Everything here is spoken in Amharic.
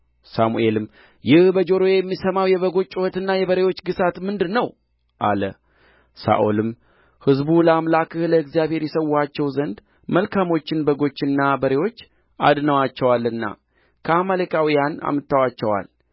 ሳሙኤልም ይህ በጆሮዬ የምሰማው የበጎች ጩኸትና የበሬዎች ግሣት ምንድር ነው አለ ሳኦልም ሕዝቡ ለአምላክህ ለእግዚአብሔር ይሠዉአቸው ዘንድ መልካሞቹን በጎችና በሬዎች አድነዋቸዋልና ከአማሌቃውያን አምጥተዋቸዋል